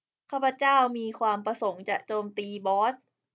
ข้าพเจ้ามีความประสงค์จะโจมตีบอส